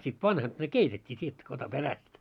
sitten vanhat ne keitettiin tietty katsohan perästä